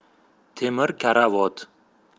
temir karavot